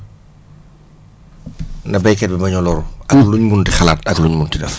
na béykat bi bañ a loru pour luñ munti xalaat ak luñ munti def